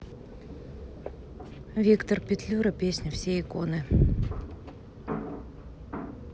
виктор петлюра песня все иконы